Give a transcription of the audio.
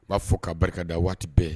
U b'a fɔ k kaa barikada waati bɛɛ